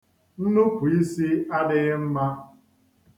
Nnupu isi adịghị mma.